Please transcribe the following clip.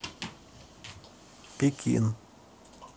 пекин